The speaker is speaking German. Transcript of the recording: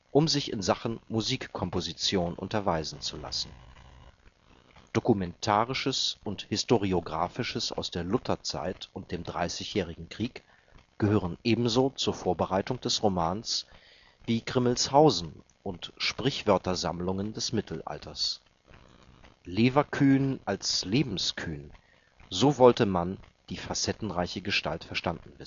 um sich in Sachen Musikkomposition unterweisen zu lassen. Dokumentarisches und Historiografisches aus der Luther-Zeit und dem Dreißigjährigen Krieg gehörten ebenso zur Vorbereitung des Romans wie Grimmelshausen und Sprichwörtersammlungen des Mittelalters. „ Leverkühn “als „ lebenskühn “, so wollte Mann die facettenreiche Gestalt verstanden